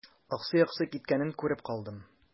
Аксый-аксый киткәнен күреп калдым.